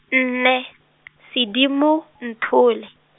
nne , Sedimonthole.